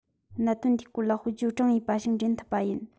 གནད དོན འདིའི སྐོར ལ དཔེར བརྗོད བགྲངས ཡས པ ཞིག འདྲེན ཐུབ པ ཡིན